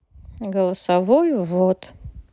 голосовой ввод